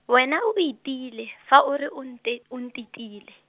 wena o itiile, fa o re o nte o ntetile.